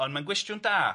Ond mae'n gwestiwn da.